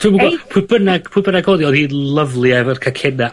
Dw'm yn g'o'... Ey? ... pwy bynnag pwy bynnag odd 'i odd 'i'n lyfli efo'r cacenna...